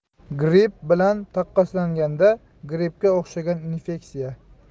gripp bilan taqqoslaganda grippga o'xshagan infeksiya